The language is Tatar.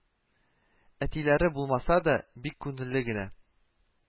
Әтиләре булмаса да, бик күңелле генә